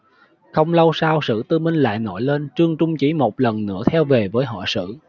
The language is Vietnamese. không lâu sau sử tư minh lại nổi lên trương trung chí một lần nữa theo về với họ sử